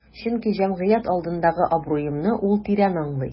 Чөнки җәмгыять алдындагы абруемны ул тирән аңлый.